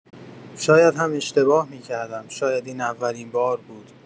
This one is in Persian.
شاید هم اشتباه می‌کردم، شاید این اولین بار بود.